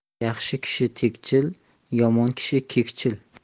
yaxshi kishi tegchil yomon kishi kekchil